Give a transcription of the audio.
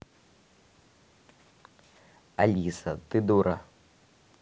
алиса ты дура